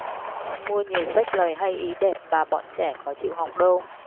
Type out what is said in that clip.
mua nhiều sách lời hay ý đẹp mà bọn trẻ có chịu đọc đâu